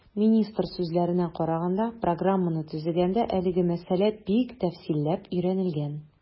Министр сүзләренә караганда, программаны төзегәндә әлеге мәсьәлә бик тәфсилләп өйрәнелгән.